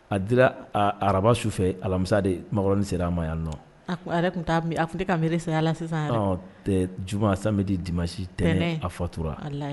A dira araba sufɛ alamisa de maɔrɔnin sera a ma yan nɔ yɛrɛ tun a tun tɛ ka mi sa sisan tɛ juma sa di di masi tɛ a fatura